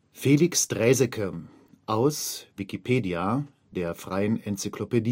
Felix Draeseke, aus Wikipedia, der freien Enzyklopädie